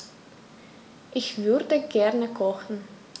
Ich würde gerne kochen.